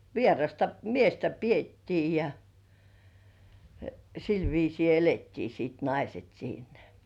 vierasta miestä pidettiin ja sillä viisiin elettiin sitten naiset siinä